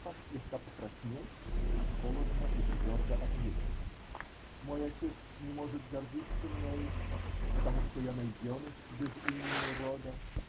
Паж слегка покраснел и холодно и твердо ответил: -- Мой отец не может гордиться мною, потому что я найденыш без имени и рода.